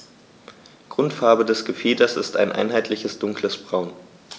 Grundfarbe des Gefieders ist ein einheitliches dunkles Braun.